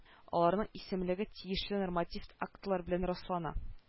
Аларның исемлеге тиешле норматив актлар белән раслана